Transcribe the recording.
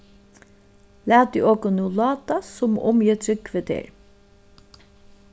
latið okkum nú látast sum um eg trúgvi tær